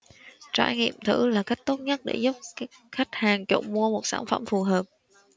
trải nghiệm thử là cách tốt nhất để giúp khách hàng chọn mua một sản phẩm phù hợp